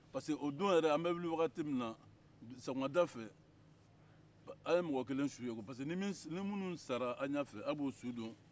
parce que o don yɛrɛ an bɛ wili wagati min na sɔgɔmada fɛ an ye mɔgɔ kelen su ye pisike minnu sar'aw ɲɛfɛ aw b'o su don